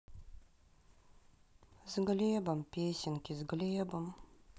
с глебом песенки с глебом